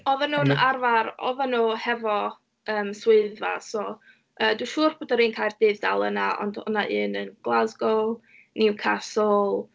Oedden nhw'n arfer, oedden nhw hefo, yym, swyddfa. So, yy, dwi'n siŵr bod yr un Caerdydd dal yna, ond o' 'na un yn Glasgow, Newcastle.